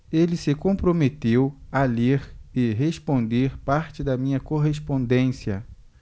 ele se comprometeu a ler e responder parte da minha correspondência